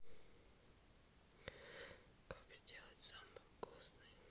как сделать самый вкусный